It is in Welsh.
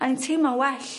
a o'n i'n teimlo well